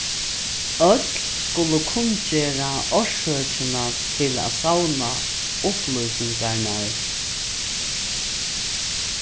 øll skulu kunngera orsøkina til at savna upplýsingarnar